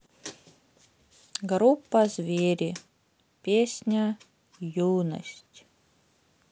группа звери песня юность